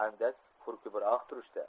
andak hurkibroq turishdi